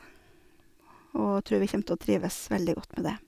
Og trur vi kjem til å trives veldig godt med det.